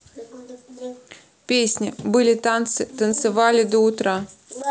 песня были танцы танцевали до утра